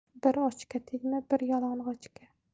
bir ochga tegma bir yalang'ochga